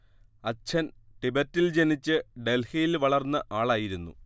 അച്ഛൻ തിബറ്റിൽ ജനിച്ച് ഡൽഹിയിൽ വളർന്ന ആളായിരുന്നു